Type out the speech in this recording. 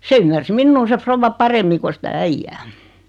se ymmärsi minua se rouva paremmin kuin sitä äijää